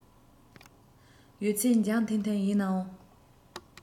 ཡོད ཚད འཇམ ཐིང ཐིང ཡིན ན འང